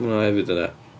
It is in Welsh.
Ma' hwnna hefyd yna.